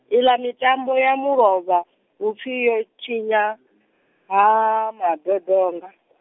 i ḽa mitambo ya mulovha, hupfi yo tshinya , Ha Madodonga.